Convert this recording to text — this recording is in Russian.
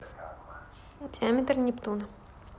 диаметр нептуна